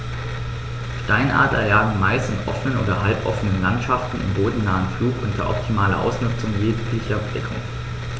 Steinadler jagen meist in offenen oder halboffenen Landschaften im bodennahen Flug unter optimaler Ausnutzung jeglicher Deckung.